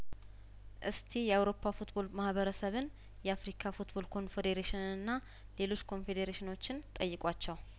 እስቲ የአውሮፓ ፉትቦል ማህበረሰብን የአፍሪካ ፉትቦል ኮንፌዴሬሽንንና ሌሎች ኮን ፌዴሬሽኖችን ጠይቋቸው